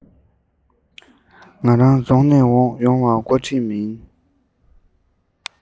ང རང རྫོང ནས ཡོང བའི མགོ ཁྲིད མིན